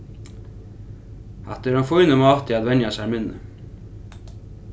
hetta er ein fínur máti at venja sær minni